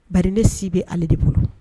Bari ne si bɛ ale de bolo